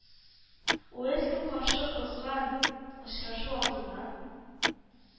Уэльска каршы узган очрашу алдыннан